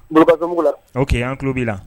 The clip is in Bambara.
Ke an tulolo b'i la